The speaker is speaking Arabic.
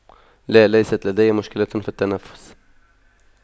لا ليست لدي مشكلة في التنفس